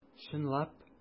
Чынлап!